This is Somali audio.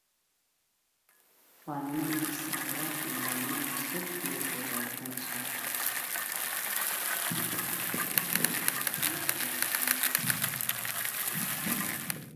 Waa niman dhisaayo laami cusub ninku waxuu wataa shaati iyo surwaal cagaaran iyo kabo buudbuud ah.